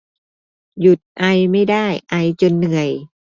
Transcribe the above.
หยุดไอไม่ได้ไอจนเหนื่อย